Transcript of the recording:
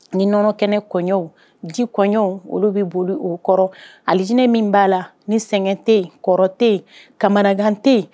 Ni nɔnɔkɛnɛ kɔyw ji kɔyɔnw olu bɛ boli u kɔrɔ alijinɛ min b'a la ni sɛgɛn tɛ kɔrɔ tɛ yen kamanagan tɛ yen